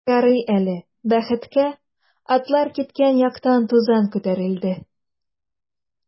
Ярый әле, бәхеткә, атлар киткән яктан тузан күтәрелде.